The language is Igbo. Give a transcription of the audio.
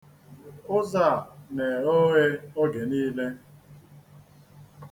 Ụzọ a na-eghe oghe oge niile.